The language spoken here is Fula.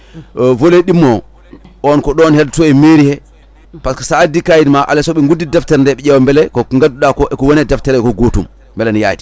volet ɗimmo o on ko ɗon heddoto e mairie he par ce que sa addi kayitma alay saago ɓe guddita deftere nde ɓe ƴewa beele ko gadduɗako eko wone deftere he ko gootum beelene yaadi